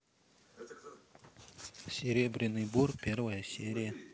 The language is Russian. серебряный бор первая серия